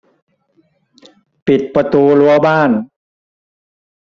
ปิดประตูรั้วบ้าน